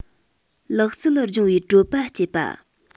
ལག རྩལ སྦྱོང བའི བྲོད པ སྐྱེད པ